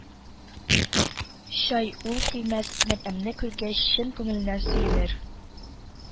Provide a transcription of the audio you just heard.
Чар уй килмәс, мәрьямне күргәч, чын күңеленнән сөенер